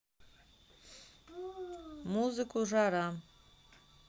музыку жара